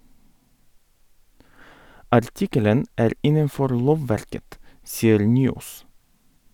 Artikkelen er innenfor lovverket, sier Nyaas.